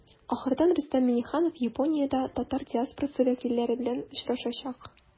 Ахырдан Рөстәм Миңнеханов Япониядә татар диаспорасы вәкилләре белән очрашачак.